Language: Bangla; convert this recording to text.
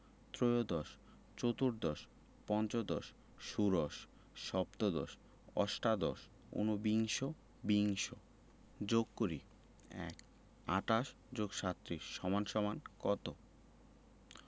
ত্ৰয়োদশ চতুর্দশ পঞ্চদশ ষোড়শ সপ্তদশ অষ্টাদশ উনবিংশ বিংশ যোগ করিঃ ১ ২৮ + ৩৭ = কত